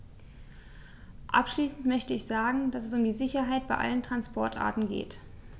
Abschließend möchte ich sagen, dass es um die Sicherheit bei allen Transportarten geht.